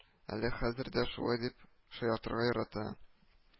Әле хәзер дә шулай дип шаятырга ярата